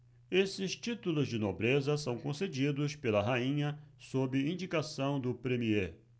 esses títulos de nobreza são concedidos pela rainha sob indicação do premiê